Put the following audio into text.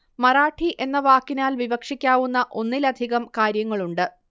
മറാഠി എന്ന വാക്കിനാൽ വിവക്ഷിക്കാവുന്ന ഒന്നിലധികം കാര്യങ്ങളുണ്ട്